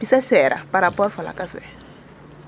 xaye pis a chére a parapport fo lakas we .